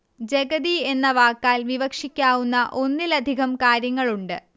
ജഗതി എന്ന വാക്കാൽ വിവക്ഷിക്കാവുന്ന ഒന്നിലധികം കാര്യങ്ങളുണ്ട്